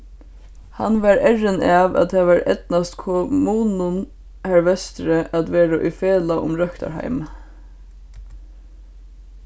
hann var errin av at tað var eydnast kommunum har vesturi at vera í felag um røktarheimið